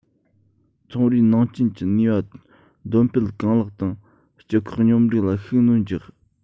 ཚོང རའི ནང རྐྱེན གྱི ནུས པ འདོན སྤེལ གང ལེགས དང སྤྱི ཁོག སྙོམས སྒྲིག ལ ཤུགས སྣོན རྒྱག